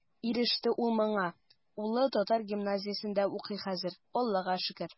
Иреште ул моңа, улы татар гимназиясендә укый хәзер, Аллаһыга шөкер.